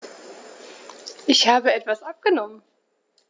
Ich habe etwas abgenommen.